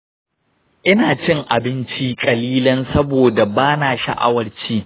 ina cin abinci ƙalilan saboda bana sha’awar ci.